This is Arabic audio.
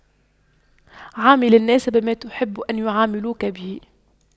عامل الناس بما تحب أن يعاملوك به